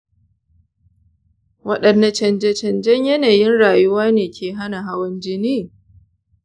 wadanne canje-canjen yanayin rayuwa ne ke hana hawan jini ?